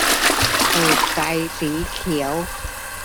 เปิดไฟสีเขียว